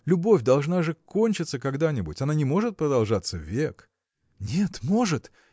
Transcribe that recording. Любовь должна же кончиться когда-нибудь она не может продолжаться век. – Нет, может.